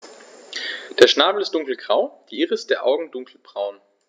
Der Schnabel ist dunkelgrau, die Iris der Augen dunkelbraun.